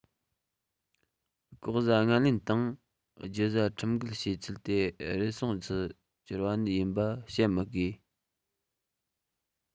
ལྐོག ཟ རྔན ལེན དང རྒྱུ ཟ ཁྲིམས འགལ བྱས ཚུལ དེ རུལ སུངས སུ གྱུར པ ཡིན པ བཤད མི དགོས